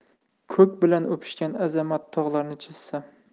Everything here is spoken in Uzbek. ko'k bilan o'pishgan azamat tog'larni chizsam